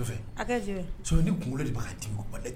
Ni kunkolo de b' di ma